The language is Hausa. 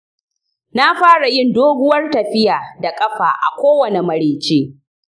na fara yin doguwar tafiya da ƙafa a kowane marece.